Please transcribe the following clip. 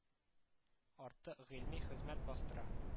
Артык гыйльми хезмәт бастыра